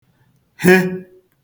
he